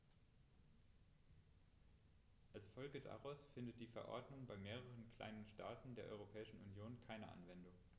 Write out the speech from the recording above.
Als Folge daraus findet die Verordnung bei mehreren kleinen Staaten der Europäischen Union keine Anwendung.